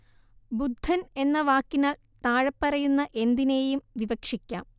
ബുദ്ധൻ എന്ന വാക്കിനാൽ താഴെപ്പറയുന്ന എന്തിനേയും വിവക്ഷിക്കാം